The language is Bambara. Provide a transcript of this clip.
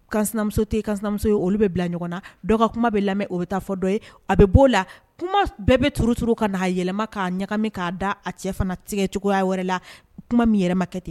Kamuso tɛmuso ye olu bɛ bila ɲɔgɔn na dɔgɔ kuma bɛ lamɛn o bɛ taa fɔ dɔ ye a bɛ'o la kuma bɛɛ bɛ tuuruuru ka na yɛlɛma kaa ɲagami'a da a cɛ fana tigɛcogo cogoya wɛrɛ la kuma min yɛlɛmakɛ ten